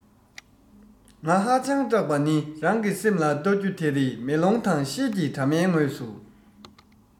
ང ཧ ཅང སྐྲག པ ནི རང གི སེམས ལ བལྟ རྒྱུ དེ རེད མེ ལོང དང ཤེལ གྱི དྲ མའི ངོས སུ